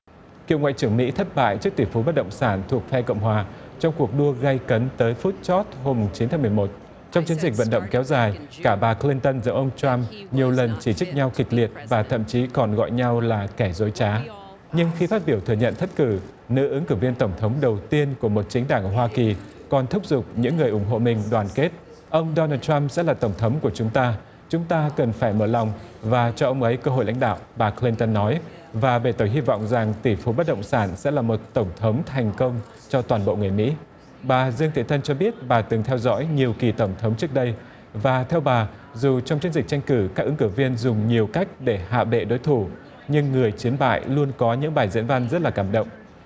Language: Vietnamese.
cựu ngoại trưởng mỹ thất bại trước tỷ phú bất động sản thuộc phe cộng hòa trong cuộc đua gay cấn tới phút chót hôm mùng chín tháng mười một trong chiến dịch vận động kéo dài cả bà cờ lin tân giữa ông troăm nhiều lần chỉ trích nhau kịch liệt và thậm chí còn gọi nhau là kẻ dối trá nhưng khi phát biểu thừa nhận thất cử nữ ứng cử viên tổng thống đầu tiên của một chính đảng ở hoa kì còn thúc giục những người ủng hộ mình đoàn kết ông đo nồ troăm sẽ là tổng thống của chúng ta chúng ta cần phải mở lòng và cho ông ấy cơ hội lãnh đạo bà cờ lin tân nói và bày tỏ hy vọng rằng tỷ phú bất động sản sẽ là một tổng thống thành công cho toàn bộ người mỹ bà dương thị thanh cho biết bà từng theo dõi nhiều kỳ tổng thống trước đây và the bà dù trong chiến dịch tranh cử các ứng cử viên dùng nhiều cách để hạ bệ đối thủ nhưng người chiến bại luôn có những bài diễn văn rất là cảm động